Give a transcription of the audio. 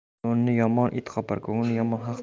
to'ni yomonni it qopar ko'ngli yomonni haq topar